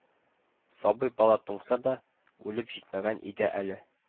Сабый бала туңса да, үлеп җитмәгән иде әле